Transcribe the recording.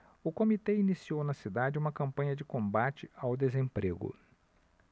o comitê iniciou na cidade uma campanha de combate ao desemprego